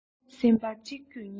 སེམས པ གཅིག འགྱོད གཉིས འགྱོད